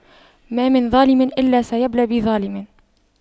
ما من ظالم إلا سيبلى بظالم